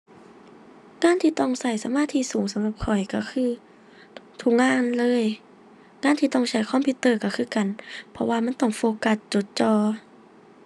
งานที่ต้องใช้สมาธิสูงสำหรับข้อยใช้คือ ทุกงานเลย งานที่ต้องใช้คอมพิวเตอร์ใช้คือกัน เพราะว่ามันต้องโฟกัส จดจ่อ